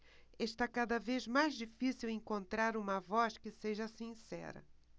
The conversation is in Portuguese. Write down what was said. está cada vez mais difícil encontrar uma voz que seja sincera